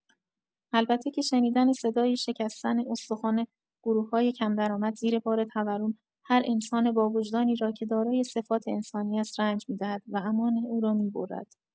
البته که شنیدن صدای شکستن استخوان گروه‌های کم‌درآمد زیر بار تورم، هر انسان با وجدانی را که دارای صفات انسانی است رنج می‌دهد و امان او را می‌برد.